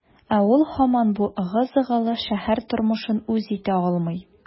Ә ул һаман бу ыгы-зыгылы шәһәр тормышын үз итә алмый.